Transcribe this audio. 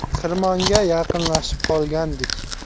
xirmonga yaqinlashib qolgandik